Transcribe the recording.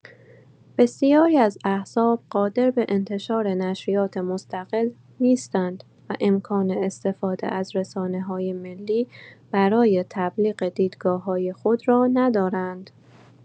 بسیاری از احزاب قادر به انتشار نشریات مستقل نیستند و امکان استفاده از رسانه‌های ملی برای تبلیغ دیدگاه‌های خود را ندارند.